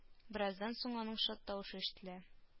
Бераздан соң аның шат тавышы ишетелә